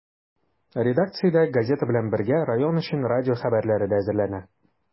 Редакциядә, газета белән бергә, район өчен радио хәбәрләре дә әзерләнә.